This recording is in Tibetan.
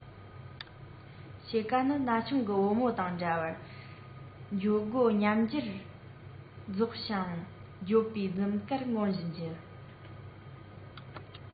དཔྱིད ཀ ནི ན ཆུང གི བུ མོ དང འདྲ བར འཇོ སྒེ ཉམས འགྱུར རྫོགས ཤིང དགོད པའི འཛུམ དཀར ངོམ བཞིན རྒྱུ